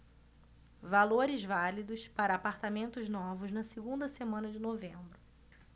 valores válidos para apartamentos novos na segunda semana de novembro